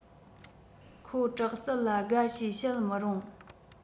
ཁོ དྲག རྩལ ལ དགའ ཞེས བཤད མི རུང